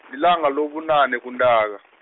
lilanga lobunane kuNtaka.